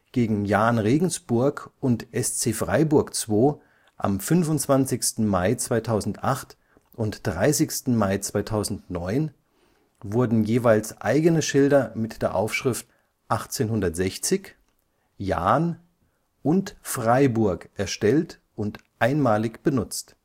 gegen Jahn Regensburg und SC Freiburg II am 25. Mai 2008 und 30. Mai 2009 wurden jeweils eigene Schilder mit der Aufschrift 1860, JAHN und FREIBURG erstellt und einmalig benutzt